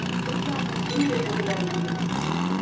bizlarni kim deb o'yladingiz